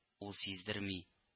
Ул сиздерми